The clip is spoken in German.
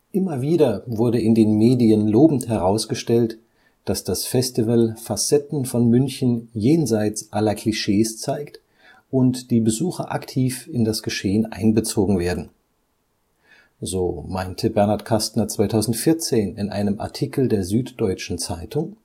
Immer wieder wurde in den Medien lobend herausgestellt, dass das Festival Facetten von München jenseits aller Klischees zeigt und die Besucher aktiv in das Geschehen einbezogen werden. So meinte Bernhard Kastner 2014 in einem Artikel der Süddeutschen Zeitung